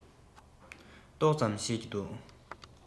ཏོག ཚམ ཤེས ཀྱི འདུག